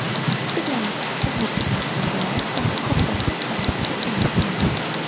tức là trong một chừng mực nào đó ông cũng không dám chắc rằng mình sẽ giành phần thắng